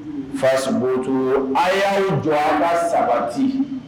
Fakuntu a y'a ye jɔ an ka sabati